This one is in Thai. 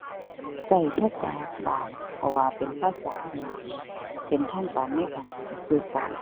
ใช้ภาษากลาง เพราะว่าเป็นภาษาที่เป็นทางการในการที่จะสื่อสาร